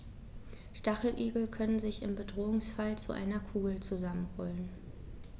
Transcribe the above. Stacheligel können sich im Bedrohungsfall zu einer Kugel zusammenrollen.